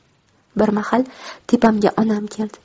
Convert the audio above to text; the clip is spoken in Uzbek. bir mahal tepamga onam keldi